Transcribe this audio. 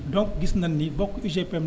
donc gis nañu ni bokk UGPM